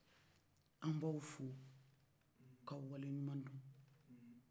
an b'aw fo k'aw wali ɲunman dɔ